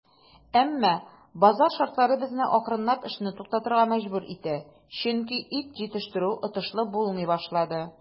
Әмма базар шартлары безне акрынлап эшне туктатырга мәҗбүр итә, чөнки ит җитештерү отышлы булмый башлады.